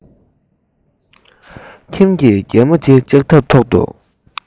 ཁྱིམ གྱི རྒན མོ དེས ལྕགས ཐབ